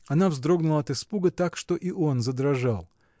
Она вздрогнула от испуга так, что и он задрожал.